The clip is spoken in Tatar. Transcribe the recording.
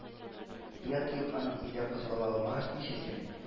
– ояты юк аның, өйдә кыз бала булмагач ничисең